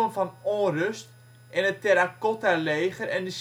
van onrust en het Terracottaleger en